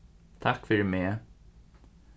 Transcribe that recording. takk fyri meg